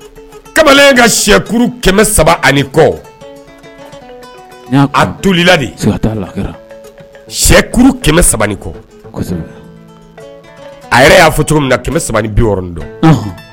Kamalen ka sɛkuru kɛmɛ saba ani kɔ a toli sɛkuru kɛmɛ kɔ a yɛrɛ y'a fɔ cogo min na kɛmɛ bi dɔn